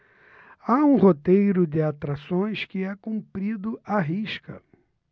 há um roteiro de atrações que é cumprido à risca